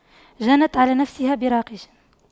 جنت على نفسها براقش